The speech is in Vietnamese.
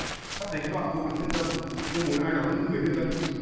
sắp đến cái đoạn cô bị hiếp hâm cô muốn ai đóng người hiếp dâm